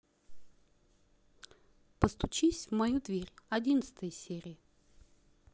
постучись в мою дверь одиннадцатая серия